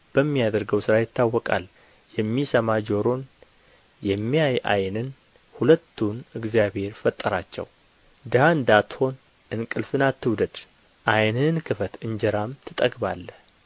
በሚያደርገው ሥራ ይታወቃል የሚሰማ ጆሮንና የሚያይ ዓይንን ሁለቱን እግዚአብሔር ፈጠራቸው ድሀ እንዳትሆን እንቅልፍን አትውደድ ዓይንህን ክፈት እንጀራም ትጠግባለህ